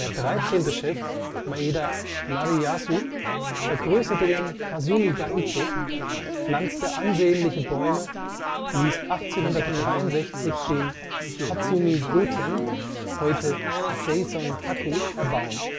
13. Chef, Maeda Nariyasu, vergrößerte den Kasumi-ga-ike, pflanzte ansehnliche Bäume, ließ 1863 den " Tatsumi goten " (heute " Seisonkaku ") erbauen